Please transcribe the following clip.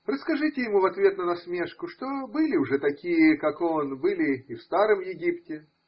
Расскажите ему, в ответ на насмешку, что были уже такие, как он, были и в старом Египте.